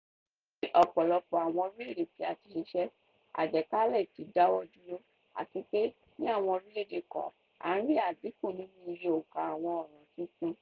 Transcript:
Ní ọ̀pọ̀lọpọ̀ àwọn orílẹ̀ èdè tí a ti ṣiṣẹ́, àjàkálẹ̀ ti dáwọ́ dúró, àti pé ní àwọn orílẹ̀ èdè kan à ń rí àdínkù nínú iye òǹkà àwọn ọ̀ràn tuntun.